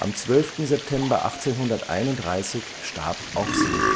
12. September 1831 starb auch sie